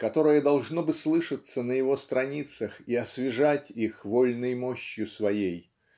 которое должно бы слышаться на его страницах и освежать их вольной мощью своею